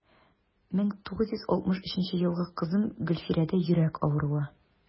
1963 елгы кызым гөлфирәдә йөрәк авыруы.